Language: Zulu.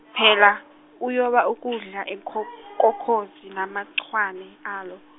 phela, uyoba ukudla eko- kokhozi namachwane alo.